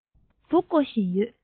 འབུ རྐོ བཞིན ཡོད